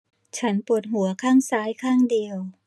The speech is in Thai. ฉันปวดหัวข้างซ้ายข้างเดียว